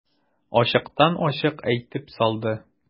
Ачыктан-ачык әйтеп салды.